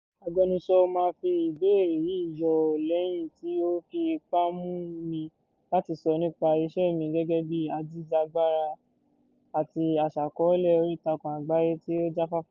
Agbẹnusọ mi fa ìbéèrè yìí yọ lẹ́yìn tí ó fi ipá mú mi láti sọ nípa iṣẹ́ mi gẹ́gẹ́ bíi ajìjàgbara àti aṣàkọọ́lẹ̀ oríìtakùn àgbáyé tí ó jáfáfá.